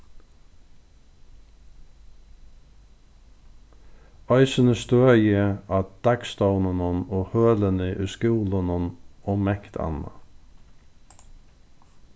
eisini støðið á dagstovnunum og hølini í skúlunum og mangt annað